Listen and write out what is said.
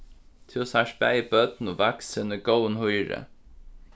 tú sært bæði børn og vaksin í góðum hýri